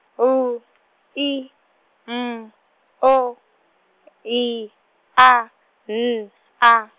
H I M O H A N A.